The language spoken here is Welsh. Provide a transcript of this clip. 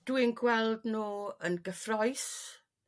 dw i'n gweld nhw yn gyffrous